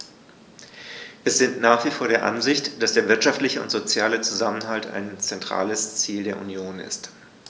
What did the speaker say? Wir sind nach wie vor der Ansicht, dass der wirtschaftliche und soziale Zusammenhalt ein zentrales Ziel der Union ist.